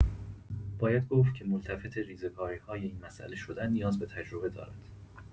باید گفت که ملتفت ریزه‌کاری‌های این مسئله شدن نیاز به تجربه دارد.